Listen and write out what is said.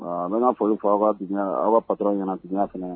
N bɛ foli fɔ aw' aw' pata ɲɛnatigiya fana